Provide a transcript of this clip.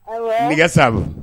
Ne'a don